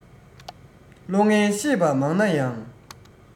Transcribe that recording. བློ ངན ཤེས པ མང ན ཡང